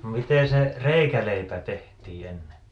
miten se reikäleipä tehtiin ennen